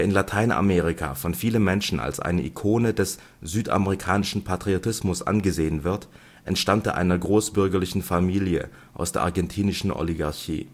Lateinamerika von vielen Menschen als eine „ Ikone “des südamerikanischen Patriotismus angesehen wird, entstammte einer großbürgerlichen Familie aus der argentinischen Oligarchie